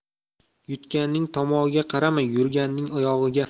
yutganning tomog'iga qarama yurganning oyog'iga